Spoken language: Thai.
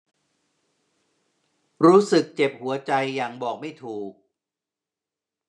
รู้สึกเจ็บหัวใจอย่างบอกไม่ถูก